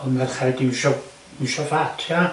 o'dd merchaid dim i'w isio isio fat ia?